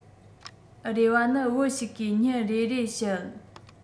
རེ བ ནི བུ ཞིག གིས ཉིན རེ རེ བཤད